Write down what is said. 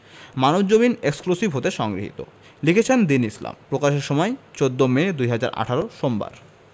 Manabzamin exclusive হতে সংগৃহীত লিখেছেনঃ দীন ইসলাম প্রকাশের সময় ১৪ মে ২০১৮ সোমবার